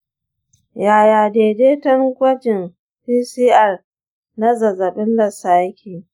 yaya daidaiton gwajin pcr na zazzabin lassa yake?